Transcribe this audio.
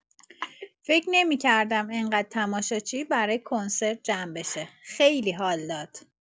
فکر نمی‌کردم اینقدر تماشاچی برای کنسرت جمع بشه، خیلی حال داد!